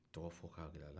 tɔgɔ fɔ ka gɛl'a la